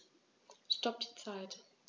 Stopp die Zeit